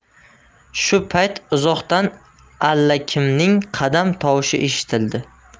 shu payt uzoqdan allakimning qadam tovushi eshitildi